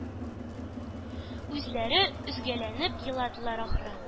Үзләре өзгәләнеп еладылар ахры.